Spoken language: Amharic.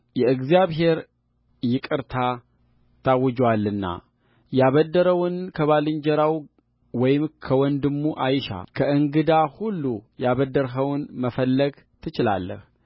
የእግዚአብሔር ይቅርታ ታውጆአልና ያበደረውን ከባልንጀራው ወይም ከወንድሙ አይሻ ከእንግዳ ላይ ያበደርኸውን መፈለግ ትችላለህ